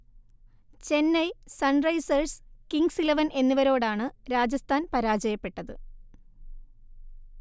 Chennai, Sunrisers, Kings Eleven എന്നിവരോടാണ് രാജസ്ഥാൻ പരാജയപ്പെട്ടത്